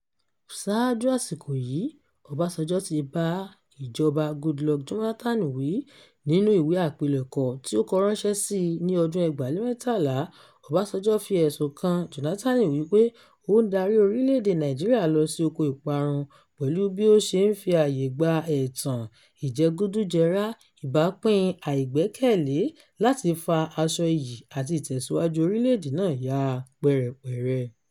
Ṣáájú àsìkò yìí, Ọbásanjọ́ ti bá ìjọba Goodluck Jónátánì wí nínú ìwé àpilẹ̀kọ tí ó kọ ránṣẹ́ sí i ní ọdún 2013, Ọbásanjọ́ fi ẹ̀sùn kan Jónátánì wípé ó ń darí orílẹ̀-èdè Nàìjíríà lọ sí oko ìparun pẹ̀lú bí ó ṣe fi àyè gba ẹ̀tàn, ìjẹ́gùdùjẹrà, ìbápín àìgbẹ́kẹ̀lé láti fa aṣọ iyì àti ìtẹ̀síwájú orílè-èdè náà ya pẹ́rẹpẹ̀rẹ.